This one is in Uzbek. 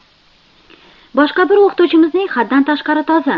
boshqa bir o'qituvchimizning haddan tashqari toza